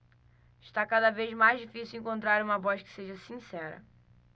está cada vez mais difícil encontrar uma voz que seja sincera